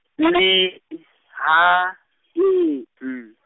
L E, H, E, N .